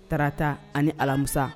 Taarata ani ni alamisa